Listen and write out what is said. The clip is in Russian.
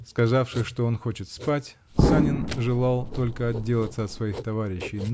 Сказавши, что он хочет спать, Санин желал только отделаться от своих товарищей